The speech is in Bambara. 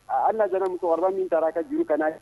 Aaa hali n'a danna musokɔrɔba min taara a ka juru kana a